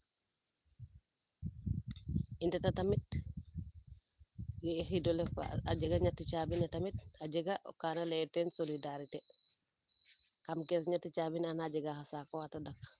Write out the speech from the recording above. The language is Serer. i ndeta tamit ye o xiidole a jega ñeti caabi ne tamit a jega kaana leyel teen solidarité kam caisse ne ñeti caaabi fa ana jega xa saaku xa tadak